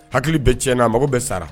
Hakili bɛ ti na mago bɛɛ sara